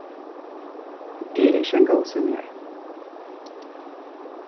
eg eri ikki ein góður svimjari